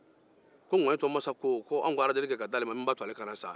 ko ŋuwɛtɔn masa ko an ka aladeli ke ka di a ma a kana sa